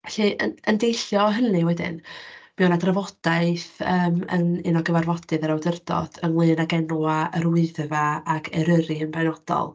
Felly, yn yn deillio o hynny wedyn, fuodd 'na drafodaeth yym yn un o gyfarfodydd yr awdurdod ynglŷn ag enwau yr Wyddfa ac Eryri yn benodol.